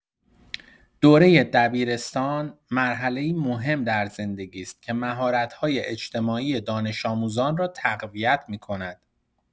دوره دبیرستان مرحله‌ای مهم در زندگی است که مهارت‌های اجتماعی دانش‌آموزان را تقویت می‌کند.